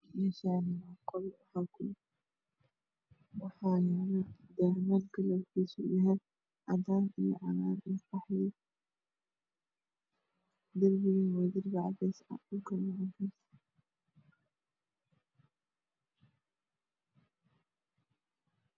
Meshani waa qol waxayalo dahman kalarkis yahay cadan io cagar io qahwi darbigan waa dirbi cades ah dhulkan waa cades